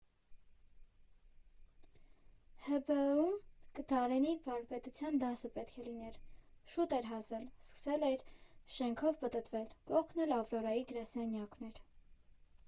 ՀԲԸՄ֊ում Դարենի վարպետության դասը պետք է լիներ, շուտ էր հասել, սկսել էր շենքով պտտվել, կողքն էլ «Ավրորայի» գրասենյակն էր։